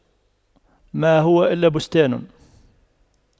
ما هو إلا بستان